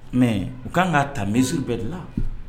Mɛ u ka kan ka ta misiuru bɛɛ dilan